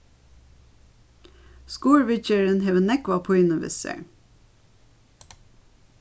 skurðviðgerðin hevur nógva pínu við sær